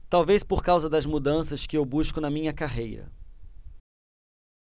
talvez por causa das mudanças que eu busco na minha carreira